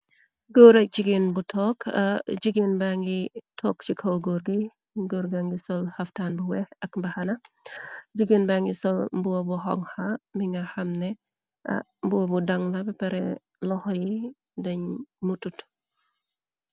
Gór ak jigeen bu took jigeen bàngi took ci kaw góor gi góorga ngi sol xaftaan bu wex ak baxana jigeen bàngi sol mboobu hongha mi nga xamne boo bu dang lapare loxo yi dañ mu tut.